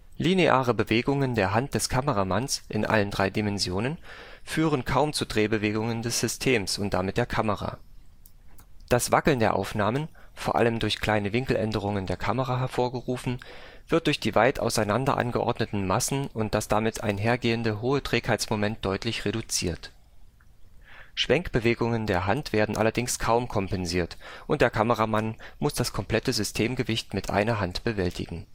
Lineare Bewegungen der Hand des Kameramanns (in allen drei Dimensionen) führen kaum zu Drehbewegungen des Systems und damit der Kamera. Das „ Wackeln “der Aufnahmen (vor allem durch kleine Winkeländerungen der Kamera hervorgerufen) wird durch die weit auseinander angeordneten Massen und das damit einhergehende hohe Trägheitsmoment deutlich reduziert. Schwenkbewegungen der Hand werden allerdings kaum kompensiert, und der Kameramann muss das komplette Systemgewicht mit einer Hand bewältigen